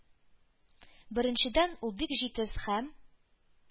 Беренчедән, ул бик җитез hәм